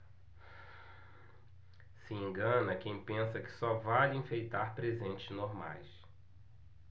se engana quem pensa que só vale enfeitar presentes normais